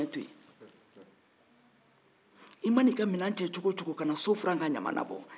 i mana i ka minɛn ta cogo ocogo kana so furan k'a ɲaman labɔ